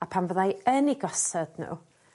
A pan fyddai yn 'u gosod nhw